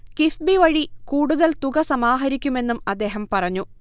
കിഫ്ബി വഴി കൂടുതൽ തുക സമാഹരിക്കുമെന്നും അദ്ദേഹം പറഞ്ഞു